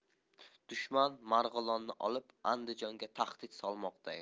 dushman marg'ilonni olib andijonga tahdid solmoqda edi